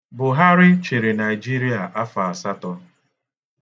Bụharị chịrị Naijiria afọ asatọ.